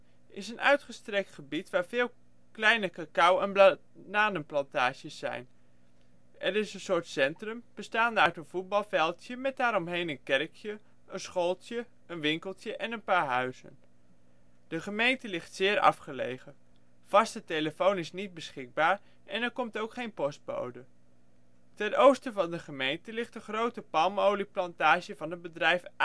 is een uitgestrekt gebied waar veel kleine cacao en bananenplantages zijn. Er is een soort centrum, bestaande uit een voetbalveldje met daaromheen een kerkje, een schooltje, een winkeltje en een paar huizen. De gemeente ligt zeer afgelegen. Vaste telefoon is niet beschikbaar en er komt ook geen postbode. Ten oosten van de gemeente ligt een grote palmolieplantage van het bedrijf